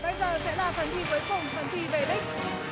bây giờ sẽ là phần thi cuối cùng phần thi về đích